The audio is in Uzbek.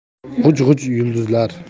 g'uj g'uj yulduzlar